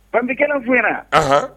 An bɛkɛlaw fo